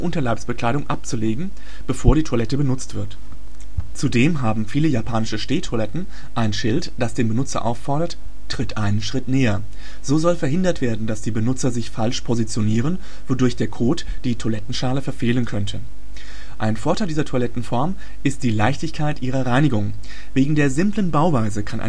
Unterleibsbekleidung abzulegen, bevor die Toilette benutzt wird. Zudem haben viele japanische Stehtoiletten ein Schild, das den Benutzer auffordert: „ Tritt einen Schritt näher. “So soll verhindert werden, dass die Benutzer sich falsch positionieren, wodurch der Kot die Toilettenschale verfehlen könnte. Ein Vorteil dieser Toilettenform ist die Leichtigkeit ihrer Reinigung. Wegen der simplen Bauweise kann